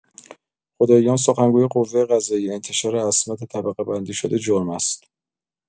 خداییان، سخنگوی قوه‌قضائیه: انتشار اسناد طبقه‌بندی شده جرم است.